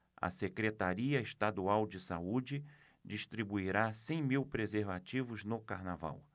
a secretaria estadual de saúde distribuirá cem mil preservativos no carnaval